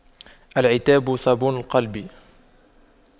العتاب صابون القلب